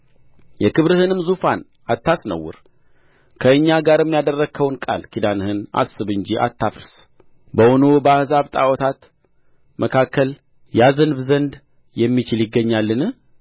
የክብርህንም ዙፋን አታስነውር ከእኛ ጋርም ያደረግኸውን ቃል ኪዳንህን አስብ እንጂ አታፍርስ በውኑ በአሕዛብ ጣዖታት መካከል ያዘንብ ዘንድ የሚችል ይገኛልን